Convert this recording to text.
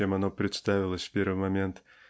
чем оно представилось в первый момент